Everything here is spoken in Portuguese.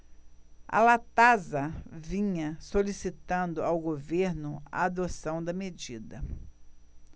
a latasa vinha solicitando ao governo a adoção da medida